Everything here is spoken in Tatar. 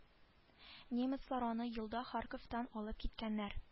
Немецлар аны елда харьковтан алып киткәннәр